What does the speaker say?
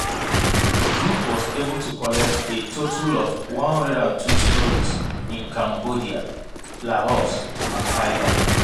The group was able to collect a total of 102 stories in Cambodia, Laos, and Thailand.